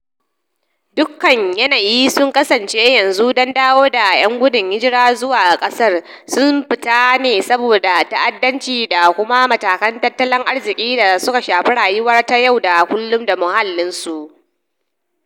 Dukkan yanayi sun kasance yanzu don dawo da 'yan gudun hijirar zuwa kasar sun fita ne saboda ta'addanci da kuma matakan tattalin arziki da suka shafi rayuwarsu ta yau da kullum da muhallin su.